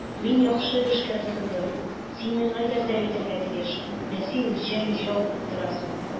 Мин яхшы эшкә тотындым, син миңа ярдәм итәргә тиеш, ә син җәнҗал куптарасың.